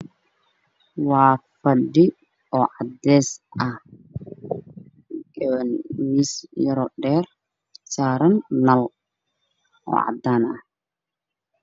Waa qol waxaa yaal fadhifkiisa yahay caddaan baan leenahay miis ayey yaalo ubax cadaaran